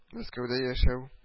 Мәскәүдә яшәү